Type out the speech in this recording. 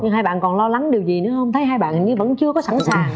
nhưng hai bạn còn lo lắng điều gì nữa không thấy hai bạn như vẫn chưa có sẵn sàng